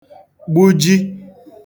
gbuji